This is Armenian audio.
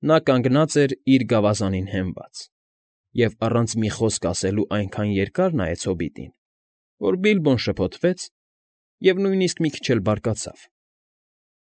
Նա կանգնած էր, իսկ գավազանին հենված, և առանց մի խոսք ասելու այնքան երկար նայեց հոբիտին, որ Բիլբոն շփոթվեց ու նույնիսկ մի քիչ էլ բարկացավ։ ֊